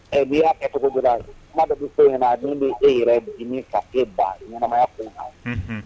B'i y'a kɛ cogogobi ma in na min bɛ e yɛrɛ dimi ka se baa ɲɛnamaya' na